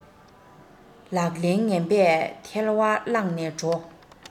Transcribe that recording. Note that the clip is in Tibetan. ལག ལེན ངན པས ཐལ བ བསླངས ནས འགྲོ